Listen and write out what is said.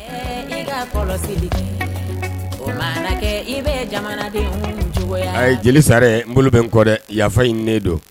Ayi jeli Sare n bolo bɛ n kɔ dɛ yafa ɲininen don